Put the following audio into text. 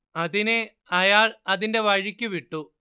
അതിനെ അയാൾ അതിന്റെ വഴിക്ക് വിട്ടു